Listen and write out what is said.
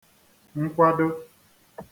nkwadō